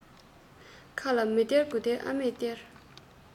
ཁ ལ མི སྟེར དགུ སྟེར ཨ མས སྟེར